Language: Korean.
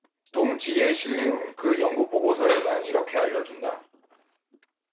동 지에 실린 그 연구 보고서에서는 이렇게 알려 준다